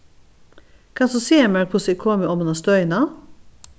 kanst tú siga mær hvussu eg komi oman á støðina